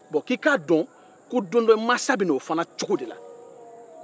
k'i k'a dɔn ko mansa bɛ na o cogo de la don dɔ